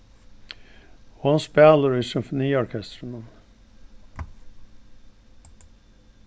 hon spælir í symfoniorkestrinum